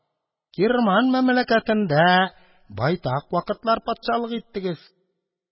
Кирман мәмләкәтендә байтак вакытлар патшалык иттегез.